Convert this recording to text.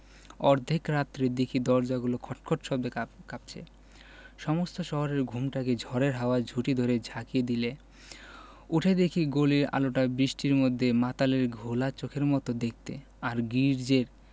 অর্ধেক রাত্রে দেখি দরজাগুলো খটখট শব্দে কাঁপছে সমস্ত শহরের ঘুমটাকে ঝড়ের হাওয়া ঝুঁটি ধরে ঝাঁকিয়ে দিলে উঠে দেখি গলির আলোটা বৃষ্টির মধ্যে মাতালের ঘোলা চোখের মত দেখতে আর গির্জ্জের